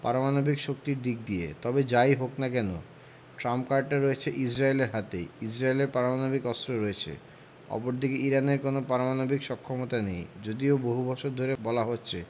পারমাণবিক শক্তির দিক দিয়ে তবে যা ই হোক না কেন ট্রাম্প কার্ডটা রয়েছে ইসরায়েলের হাতেই ইসরায়েলের পারমাণবিক অস্ত্র রয়েছে অপরদিকে ইরানের কোনো পারমাণবিক সক্ষমতা নেই যদিও বহু বছর ধরে বলা হচ্ছে